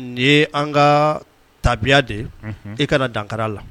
Nin ye an ka tabiya de ye e kana dankara la